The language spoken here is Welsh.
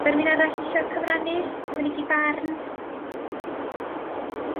Sa rywun arall isio cyfrannu mynegi barn?